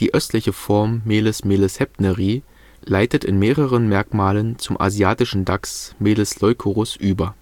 östliche Form M. m. heptneri leitet in mehreren Merkmalen zum Asiatischen Dachs (Meles leucurus) über